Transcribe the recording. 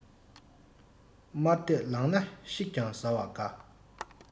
དམར དད ལངས ན ཤིག ཀྱང ཟ བ དགའ